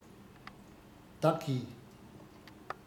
བདག གིས